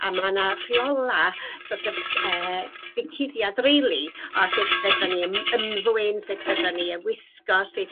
A 'ma 'na rheola' so't of c- yy 'di cuddiad rili o sut fedran ni ym- ymddwyn sut fedran ni arwisg a sut